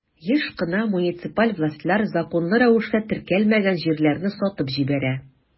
Еш кына муниципаль властьлар законлы рәвештә теркәлмәгән җирләрне сатып җибәрә.